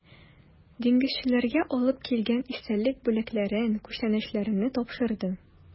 Диңгезчеләргә алып килгән истәлек бүләкләрен, күчтәнәчләрне тапшырды.